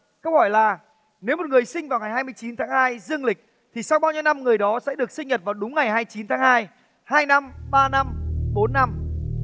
câu hỏi là nếu một người sinh vào ngày hai mươi chín tháng hai dương lịch thì sau bao nhiêu năm người đó sẽ được sinh nhật vào đúng ngày hai chín tháng hai hai năm ba năm bốn năm